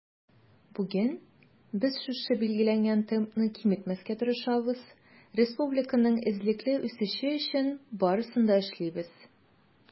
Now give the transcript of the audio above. Бүген без шушы билгеләнгән темпны киметмәскә тырышабыз, республиканың эзлекле үсеше өчен барысын да эшлибез.